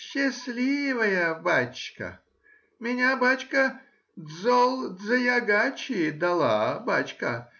— Счастливая, бачка; меня, бачка, Дзол-Дзаягачи дала, бачка.